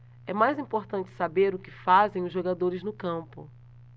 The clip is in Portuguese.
é mais importante saber o que fazem os jogadores no campo